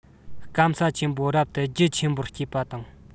སྐམ ས ཆེན པོ རབ ཏུ རྒྱུ ཆེན པོར བསྐྱེད པ དང